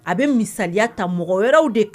A bɛ misaya ta mɔgɔ wɛrɛw de kan